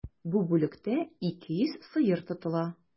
Бу бүлектә 200 сыер тотыла.